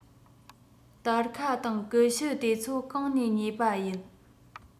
སྟར ཁ དང ཀུ ཤུ དེ ཚོ གང ནས ཉོས པ ཡིན